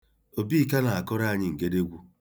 Obika na-akụrụ anyị ngedegwu.